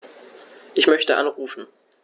Ich möchte anrufen.